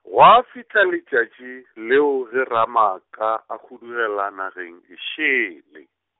gwa fihla letšatši leo la ge Ramaaka, a hudugela nageng e šele.